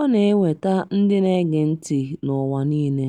ọ na-enweta ndị na-ege ntị n’ụwa niile.